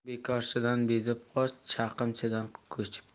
bekorchidan bezib qoch chaqimchidan ko'chib